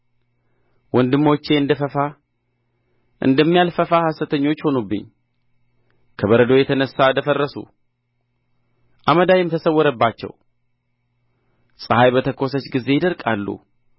ወንድሞቼ እንደ ፈፋ እንደሚያልፍ ፈፋ ሐሰተኞች ሆኑብኝ ከበረዶ የተነሣ ደፈረሱ አመዳይም ተሰወረባቸው ፀሐይ በተኰሰች ጊዜ ይደርቃሉ